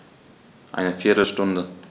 Eine viertel Stunde